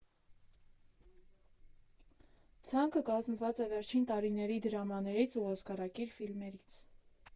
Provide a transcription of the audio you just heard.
Ցանկը կազմված է վերջին տարիների դրամաներից ու օսկարակիր ֆիլմերից։